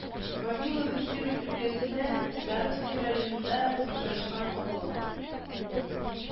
Вавиловы Киров өлкәсендә Даровской районында урнашкан авыл